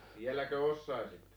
vieläkö osaisitte